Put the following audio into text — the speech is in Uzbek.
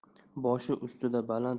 boshi ustida baland